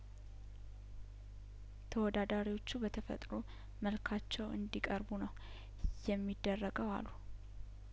ተወዳዳሪዎቹ በተፈጥሮ መልካቸው እንዲቀርቡ ነው የሚደረገው አሉ